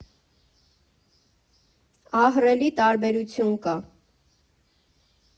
Ահռելի տարբերություն կա։